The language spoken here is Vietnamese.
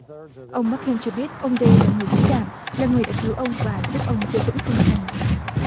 ông mắc ken cho biết ông đây là người dũng cảm là người đã cứu ông và giúp ông giữ vững tinh thần